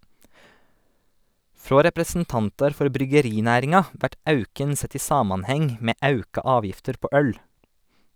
Frå representantar for bryggerinæringa vert auken sett i samanheng med auka avgifter på øl.